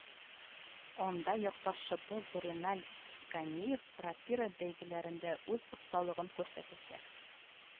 Анда якташыбыз Реналь Ганиев рапира бәйгеләрендә үз осталыгын күрсәтәчәк